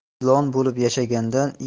ilon bo'lib yashagandan